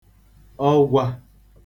ọgwā